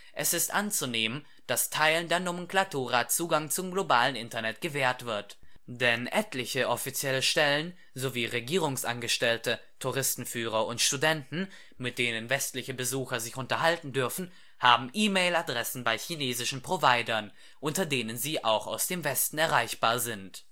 Es ist anzunehmen, dass Teilen der Nomenklatura Zugang zum globalen Internet gewährt wird, denn etliche offizielle Stellen sowie Regierungsangestellte, Touristenführer und Studenten, mit denen westliche Besucher sich unterhalten dürfen, haben E-Mail-Adressen bei chinesischen Providern, unter denen sie auch aus dem Westen erreichbar sind